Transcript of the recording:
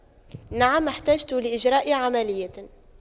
نعم احتجت لإجراء عملية